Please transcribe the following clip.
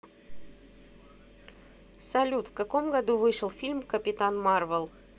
салют в каком году вышел фильм капитан марвел